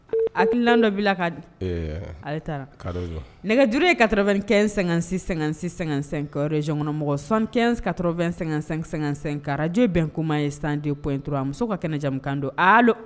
A labɛndɔ' ka di taara nɛgɛjuru ka2 kɛ--sɛ-sɛsɛ zɔnkɔnɔmɔgɔ san kɛnɛn ka2---sɛkaraj bɛn kuma ye sanden p intura muso ka kɛnɛ jamukan don